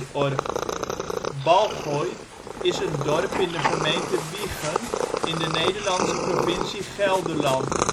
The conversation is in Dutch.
of Balgoy is een dorp in de gemeente Wijchen, in de Nederlandse provincie Gelderland